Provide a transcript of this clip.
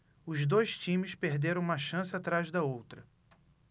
os dois times perderam uma chance atrás da outra